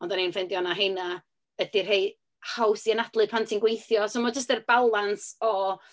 Ond dan ni'n ffeindio na heina ydy'r rhai haws i anadlu pan ti'n gweithio. So ma' jyst yr balans o...